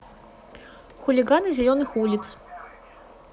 хулиганы зеленых улиц